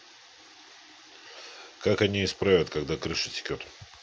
как они исправят когда крыша текет